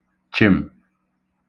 chị̀m